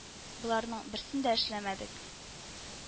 Боларның берсен дә эшләмәдек